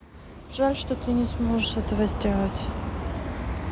жаль что ты не сможешь этого сделать